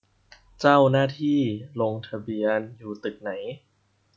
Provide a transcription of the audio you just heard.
เจ้าหน้าที่ลงทะเบียนอยู่ตึกไหน